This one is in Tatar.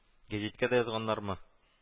Гәҗиткә дә язганнармы